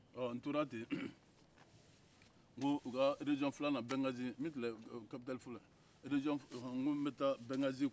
n tora ten n ko u ka marabolo filanan bɛnkazi n ko n bɛ taa bɛnkazi kuwa